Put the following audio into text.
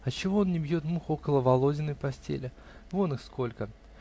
Отчего он не бьет мух около Володи ной постели? вон их сколько!